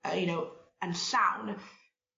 yy you know yn llawn